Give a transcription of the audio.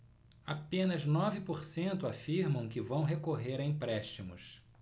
apenas nove por cento afirmam que vão recorrer a empréstimos